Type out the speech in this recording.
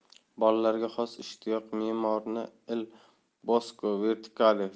bolalarga xos ishtiyoq me'morni il bosco verticale